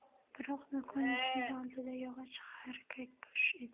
biroq do'kon eshigi oldidagi yog'och xarrak bo'sh edi